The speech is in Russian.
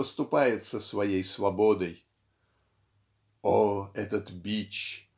поступается своей свободой. О, этот бич!